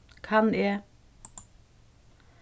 kann eg